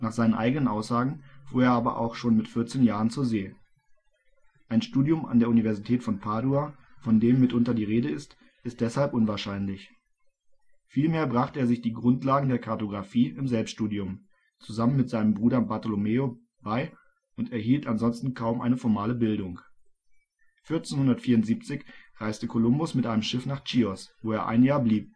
seinen eigenen Aussagen fuhr er aber auch schon mit 14 Jahren zur See. Ein Studium an der Universität von Padua, von dem mitunter die Rede ist, ist deshalb unwahrscheinlich. Vielmehr brachte er sich die Grundlagen der Kartografie im Selbststudium, zusammen mit seinem Bruder Bartolomeo, bei und erhielt ansonsten kaum eine formale Bildung. 1474 reiste Kolumbus mit einem Schiff nach Chios, wo er ein Jahr blieb